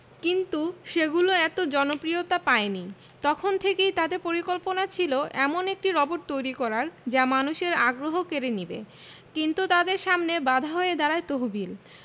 কিন্তু সেগুলো এত জনপ্রিয়তা পায়নি তখন থেকেই তাদের পরিকল্পনা ছিল এমন একটি রোবট তৈরির যা মানুষের আগ্রহ কেড়ে নেবে কিন্তু তাদের সামনে বাধা হয়ে দাঁড়ায় তহবিল